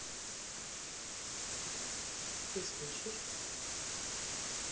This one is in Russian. ты слышишь